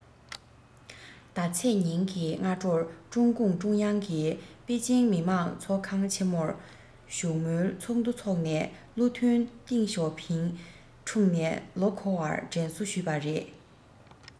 ཟླ ཚེས ཉིན གྱི སྔ དྲོར ཀྲུང གུང ཀྲུང དབྱང གིས པེ ཅིང མི དམངས ཚོགས ཁང ཆེ མོར བཞུགས མོལ ཚོགས འདུ འཚོགས ནས བློ མཐུན ཏེང ཞའོ ཕིང འཁྲུངས ནས ལོ འཁོར བར དྲན གསོ ཞུས པ རེད